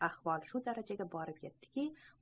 ahvol shu darajaga borib yetdiki